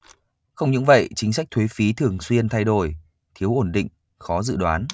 không những vậy chính sách thuế phí thường xuyên thay đổi thiếu ổn định khó dự đoán